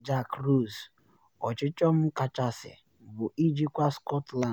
Jack Ross: ‘Ọchịchọ m kachasị bụ ijikwa Scotland’